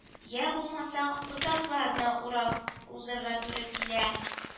Йә булмаса ботакларны урап узарга туры килә